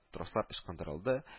Трослар ычкындырылды